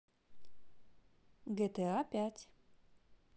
гта пять